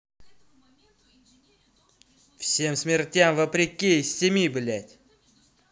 всем смертям вопреки из семи блядь